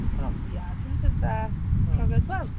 Profiad yn dyfe. Profiad wel...